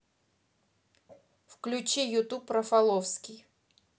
включи ютуб рафаловский